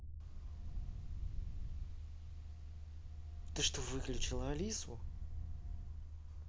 ты что выключила алису